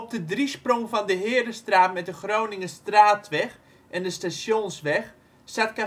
de driesprong van de Herestraat met de Groningerstraatweg en de Stationsweg staat